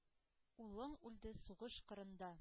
Улың үлде сугыш кырында.